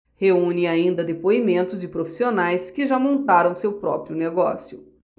reúne ainda depoimentos de profissionais que já montaram seu próprio negócio